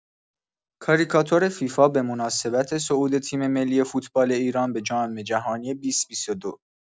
کاریکاتور فیفا به مناسبت صعود تیم‌ملی فوتبال ایران به جام‌جهانی ۲۰۲۲